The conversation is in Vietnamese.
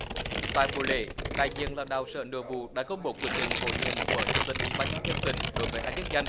tại buổi lễ đại diện lãnh đạo sở nội vụ đã công bố quyết định bổ nhiệm của chủ tịch ủy ban nhân dân tỉnh đối với hai chức danh